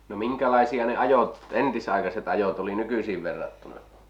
no minkälaisia ne ajot entisaikaiset ajot oli nykyisin verrattuna